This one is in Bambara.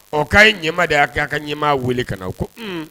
Ɔ k'a ye ɲɛ n ma dɛ ka ɲɛma weele ka na, o ko un.